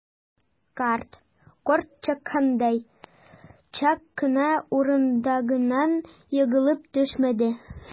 Карт, корт чаккандай, чак кына урындыгыннан егылып төшмәде.